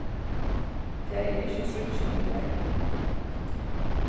tað eru ikki tríggir um dagin